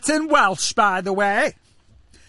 It's in Welsh, by the way.